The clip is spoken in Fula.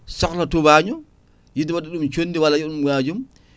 sohla tubaño yidde wadde ɗum condi walla ɗum wajum